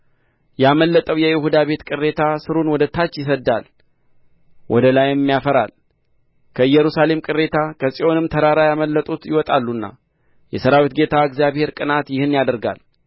ያመለጠው የይሁዳ ቤት ቅሬታ ሥሩን ወደ ታች ይሰድዳል ወደ ላይም ያፈራል ከኢየሩሳሌም ቅሬታ ከጽዮንም ተራራ ያመለጡት ይወጣሉና የሠራዊት ጌታ የእግዚአብሔር ቅንዓት ይህን ያደርጋል